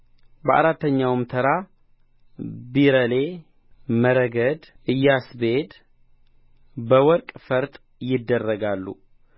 በአራተኛውም ተራ ቢረሌ መረግድ ኢያስጲድ በወርቅ ፈርጥ ይደረጋሉ